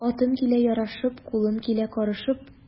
Атым килә ярашып, кулым килә карышып.